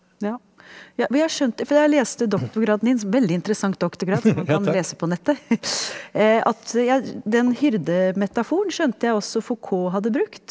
ja ja for jeg har skjønt for da jeg leste doktorgraden din veldig interessant doktorgrad som man kan lese på nettet at den hyrdemetaforen skjønte jeg også Foucault hadde brukt?